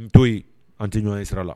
N to yen an tɛ ɲ sira la